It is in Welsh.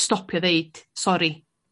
stopio ddeud sori